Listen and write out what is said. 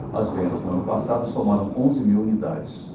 as vendas no ano passado somaram onze mil unidades